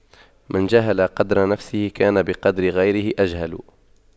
من جهل قدر نفسه كان بقدر غيره أجهل